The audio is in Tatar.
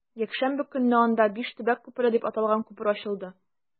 Якшәмбе көнне анда “Биш төбәк күпере” дип аталган күпер ачылды.